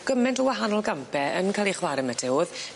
Yr... Gyment o wahanol gampe yn ca'l eu chwarae 'my te o'dd?